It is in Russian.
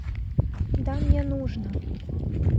да мне нужно